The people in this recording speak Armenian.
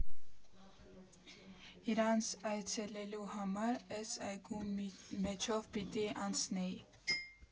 Իրանց այցելելու համար էս այգու մեջով պիտի անցնեի։